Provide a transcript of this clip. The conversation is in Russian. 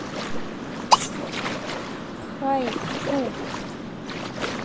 hi q